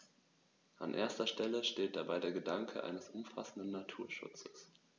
An erster Stelle steht dabei der Gedanke eines umfassenden Naturschutzes.